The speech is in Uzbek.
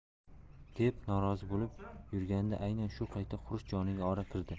deb norozi bo'lib yurganida aynan shu qayta qurish joniga ora kirdi